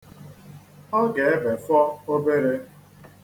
Ọ ga-ebefọ obere.